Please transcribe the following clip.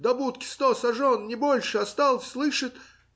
до будки "со сажен, не больше, осталось, слышит